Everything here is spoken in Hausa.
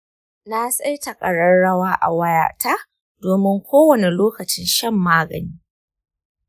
na saita ƙararrawa a wayata domin kowane lokacin shan magani.